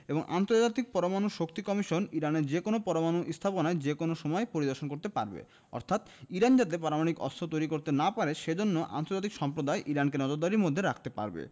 এবং আন্তর্জাতিক পরমাণু শক্তি কমিশন ইরানের যেকোনো পরমাণু স্থাপনায় যেকোনো সময় পরিদর্শন করতে পারবে অর্থাৎ ইরান যাতে পারমাণবিক অস্ত্র তৈরি করতে না পারে সে জন্য আন্তর্জাতিক সম্প্রদায় ইরানকে নজরদারির মধ্যে রাখতে পারবে